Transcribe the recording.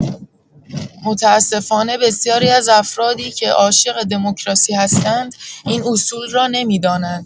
متاسفانه بسیاری از افرادی که عاشق دموکراسی هستند این اصول را نمی‌دانند.